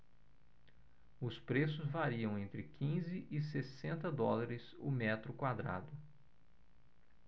os preços variam entre quinze e sessenta dólares o metro quadrado